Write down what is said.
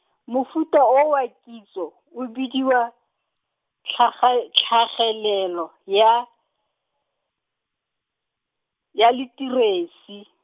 mofuta o wa kitso o bidiwa tlhaga tlhagelelo ya, ya litheresi.